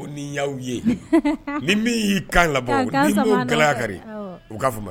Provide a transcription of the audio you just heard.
Ye y'i kan laban' gɛlɛyaya kari u'